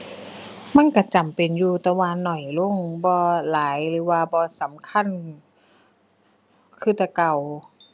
มันก็จำเป็นอยู่ แต่ว่าน้อยลง บ่หลายหรือว่าบ่สำคัญคือแต่เก่า